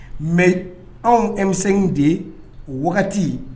Mais anw M5 de o wagati